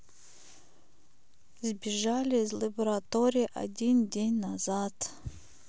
сбежали из лаборатории один день назад